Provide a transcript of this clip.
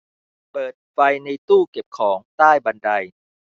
เปิดไฟในตู้เก็บของใต้บันได